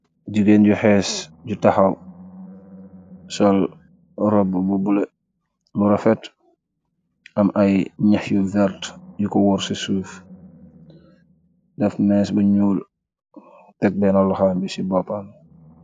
Jigeen yu xees ju taxaw, sol roba bulo rafet , am ay ñex yu vert yu ko woor ci suuf , daf meez bu ñuul , teg benna loxaam bi ci boppaam.